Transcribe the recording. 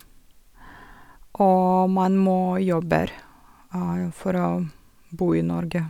Og man må jobber for å bo i Norge.